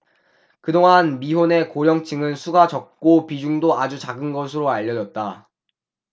그동안 미혼의 고령층은 수가 매우 적고 비중도 아주 작은 것으로 알려졌다